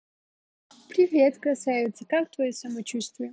привет красавица как твое самочувствие